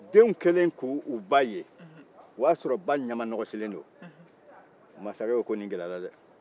denw kɛlen k'u ba ye o y'a ba ɲɛmanɔgɔsilen don masakɛ ko nin gɛlɛyara dɛ